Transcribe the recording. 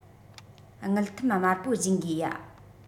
དངུལ ཐུམ དམར པོ སྦྱིན དགོས ཡ